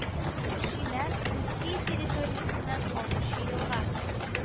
Шимәк Русия территориясеннән агучы елга